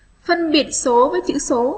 phân biệt số và chữ số